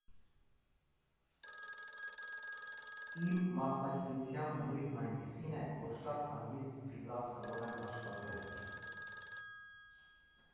Իմ մասնագիտության բնույթն այնպիսին է, որ շատ հանգիստ ֆրիլանս կարող եմ աշխատել։